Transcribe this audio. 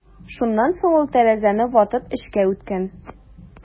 Шуннан соң ул тәрәзәне ватып эчкә үткән.